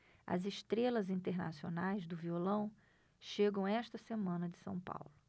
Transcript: as estrelas internacionais do violão chegam esta semana a são paulo